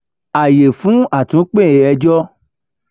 Àyè fún àtúnpè-ẹjọ́